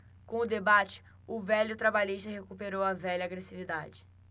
com o debate o velho trabalhista recuperou a velha agressividade